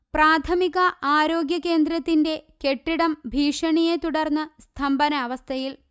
പ്രാഥമികാരോഗ്യ കേന്ദ്രത്തിന്റെ കെട്ടിടം ഭീഷണിയെ തുടർന്ന്സ്തംഭനാവസ്ഥയില്